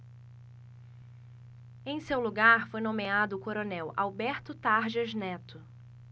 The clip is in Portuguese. em seu lugar foi nomeado o coronel alberto tarjas neto